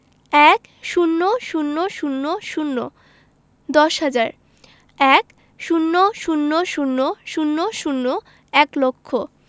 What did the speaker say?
১০০০০ দশ হাজার ১০০০০০ এক লক্ষ